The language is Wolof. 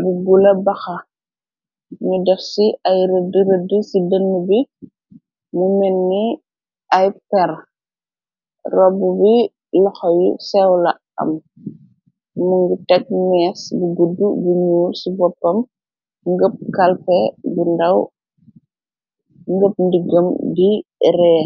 lu gula baxa ni def ci ay rëddi rëddi ci dënn bi mu menni ay per rob bi loxo yu sewla am mëngu teg mees li gudd bu ñuul ci boppam ngëp kalpe bu ndaw ngëp ndiggam di ree.